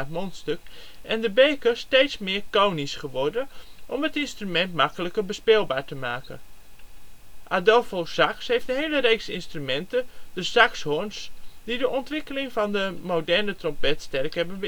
mondstuk) en de beker steeds meer conisch geworden om het instrument makkelijker bespeelbaar te maken. Adolphe Sax heeft een hele reeks instrumenten de saxhoorns die de onwikkeling van de moderne trompet sterk hebben